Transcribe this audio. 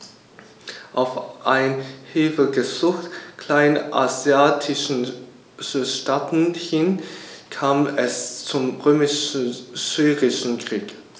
Auf ein Hilfegesuch kleinasiatischer Staaten hin kam es zum Römisch-Syrischen Krieg.